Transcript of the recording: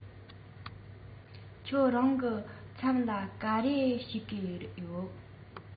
ཁྱེད རང གི མཚན ལ ག རེ ཞུ གི ཡོད